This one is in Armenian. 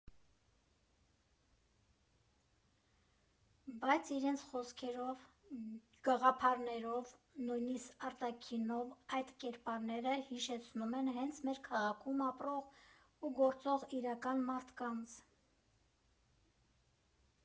Բայց իրենց խոսքերով, գաղափարներով, նույնիսկ արտաքինով այդ կերպարները հիշեցնում են հենց մեր քաղաքում ապրող ու գործող իրական մարդկանց։